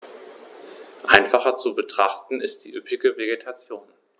Einfacher zu betrachten ist die üppige Vegetation.